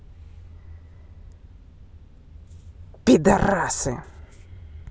пидарасы